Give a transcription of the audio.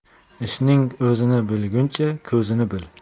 ishning o'zini bilguncha ko'zini bil